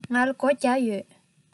ང ལ སྒོར བརྒྱ ཡོད